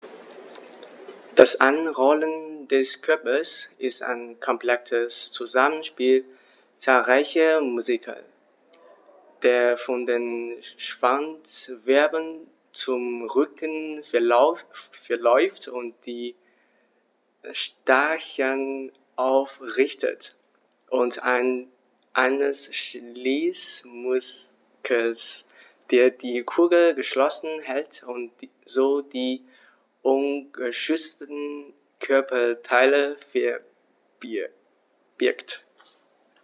Das Einrollen des Körpers ist ein komplexes Zusammenspiel zahlreicher Muskeln, der von den Schwanzwirbeln zum Rücken verläuft und die Stacheln aufrichtet, und eines Schließmuskels, der die Kugel geschlossen hält und so die ungeschützten Körperteile verbirgt.